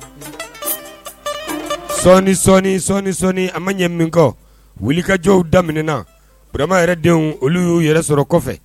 Sɔɔni sɔɔni sɔɔni sɔɔni a ma ɲɛ min kɔ wulikajɔw daminɛnaura yɛrɛ denw olu y' u yɛrɛ sɔrɔ kɔfɛ